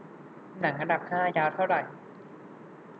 หนังอันดับห้ายาวเท่าไหร่